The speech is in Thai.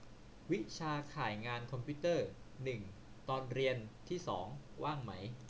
วิชาข่ายงานคอมพิวเตอร์หนึ่งตอนเรียนที่สองว่างไหม